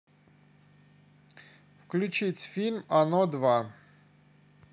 включить фильм оно два